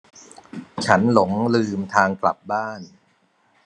ฉันหลงลืมทางกลับบ้าน